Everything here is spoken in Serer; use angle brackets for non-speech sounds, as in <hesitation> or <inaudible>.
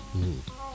<hesitation> <hesitation>